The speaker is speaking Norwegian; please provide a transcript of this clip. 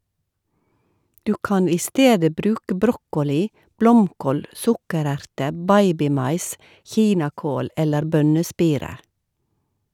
Du kan i stedet bruke brokkoli, blomkål, sukkererter, babymais, kinakål eller bønnespirer.